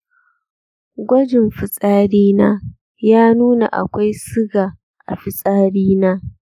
gwajin fitsarina ya nuna akwai suga a fitsarina.